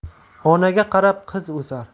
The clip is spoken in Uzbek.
onaga qarab qiz o'sar